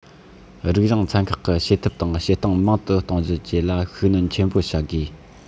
རིག གཞུང ཚན ཁག གི བྱེད ཐབས དང བྱེད སྟངས མང དུ གཏོང རྒྱུ བཅས ལ ཤུགས སྣོན ཆེན པོ བྱ དགོས